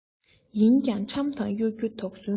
ཡིན ཀྱང ཁྲམ དང གཡོ སྒྱུར དོགས ཟོན དགོས